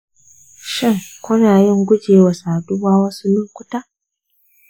shin kuna yin gujewa saduwa wasu lokuta?